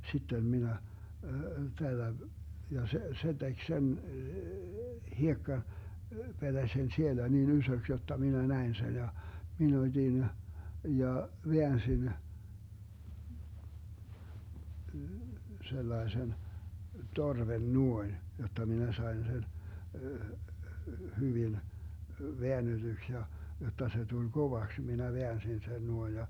sitten minä tällä ja se se teki sen - hiekkapetäsen siellä niin isoksi jotta minä näin sen ja minä otin ja väänsin sellaisen torven noin jotta minä sain sen - väännetyksi ja jotta se tuli kovaksi minä väänsin sen noin ja